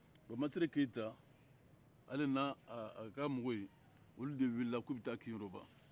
o masire keyita ale n'an a ka mɔgɔw olu de wulila k'o bɛ taa keyoroba